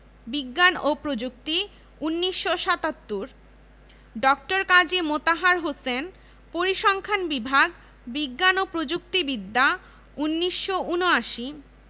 TSC সড়ক দ্বীপে ১৯৮৮ সালে শামীম শিকদার নির্মাণ করেন স্বোপার্জিত স্বাধীনতা ভাস্কর্যটি স্বাধীনতা সংগ্রাম ভাস্কর্যটি শামীম শিকদার নির্মাণ করেন